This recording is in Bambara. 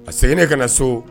A seginnen ka na so.